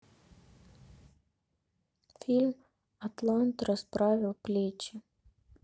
фильм атлант расправил плечи